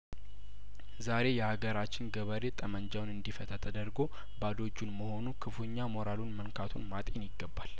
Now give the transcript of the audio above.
ዛሬ የሀገራችን ገበሬ ጠመንጃውን እንዲፈታ ተደርጐ ባዶ እጁን መሆኑ ክፉኛ ሞራሉን መንካቱን ማጤን ይገባል